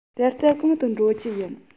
ད ལྟ གང དུ འགྲོ རྒྱུ ཡིན